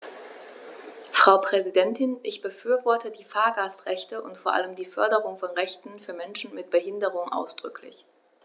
Frau Präsidentin, ich befürworte die Fahrgastrechte und vor allem die Förderung von Rechten für Menschen mit Behinderung ausdrücklich.